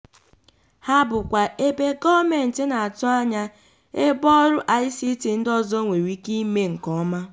Ha bụkwa ebe, gọọmentị na-atụ anya, ebe ọrụ ICT ndị ọzọ nwere ike ime nkeọma.